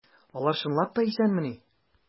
Алар чынлап та исәнмени?